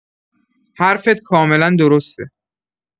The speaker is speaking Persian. حرفت کاملا درسته.